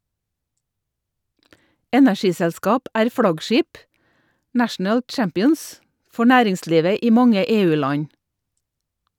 Energiselskap er flaggskip, «national champions», for næringslivet i mange EU-land.